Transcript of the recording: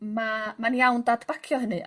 ...ma' mae'n iawn dadbacio hynny